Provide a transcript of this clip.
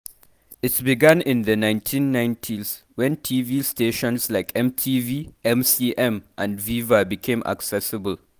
It began in the 1990s when TV stations like MTV, MCM and VIVA became accessible.